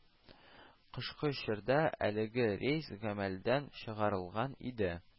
Кышкы чорда әлеге рейс гамәлдән чыгарылган иде